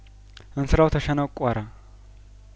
እንስራው ተሸነቆረ